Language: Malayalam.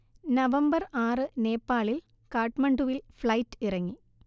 നവംബർ ആറ് നേപ്പാളിൽ കാഠ്മണ്ഡുവിൽ ഫ്ളൈറ്റ് ഇറങ്ങി